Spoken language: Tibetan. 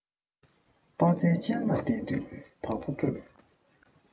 དཔའ རྩལ ཅན ལ དལ དུས བདག པོ སྤྲོད